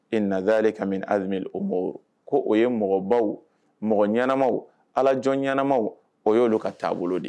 E naz de ka o ko o ye mɔgɔbaw mɔgɔ ɲɛnama alaj ɲɛnama o y'oolu ka taabolo de ye